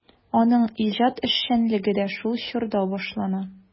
Аның иҗат эшчәнлеге дә шул чорда башлана.